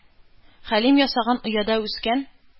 Хәлим ясаган ояда үскән